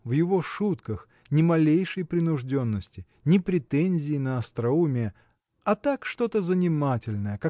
в его шутках – ни малейшей принужденности ни претензии на остроумие а так что-то занимательное